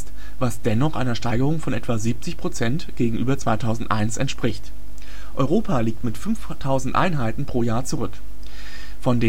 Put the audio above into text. dennoch einer Steigerung von etwa 70 % gegenüber 2001 entspricht. Europa liegt mit 5.000 Einheiten pro Jahr zurück. Von